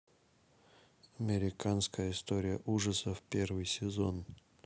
американская история ужасов первый сезон